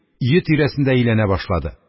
Өе тирәсендә әйләнә башлады.